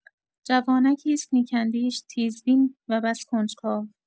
جوانکی است نیک‌اندیش، تیزبین و بس کنجکاو.